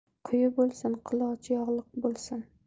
qui bo'lsin qulochi yog'lik bo'lsin